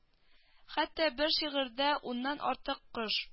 Хәтта бер шигырьдә уннан артык кош